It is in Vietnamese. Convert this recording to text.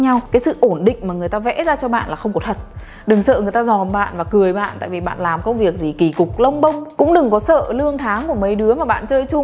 cái sự ổn định mà người ta vẽ ra cho bạn là không có thật đừng sợ người ta dòm bạn và cười bạn tại vì bạn làm công việc gì kì cục lông bông cũng có sợ lương tháng của mấy đứa mà bạn chơi chung